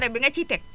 te bi nga ciy teg